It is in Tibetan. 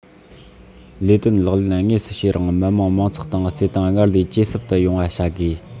ལས དོན ལག ལེན དངོས སུ བྱེད རིང མི དམངས མང ཚོགས དང བརྩེ དུང སྔར ལས ཇེ ཟབ ཏུ ཡོང བ བྱ དགོས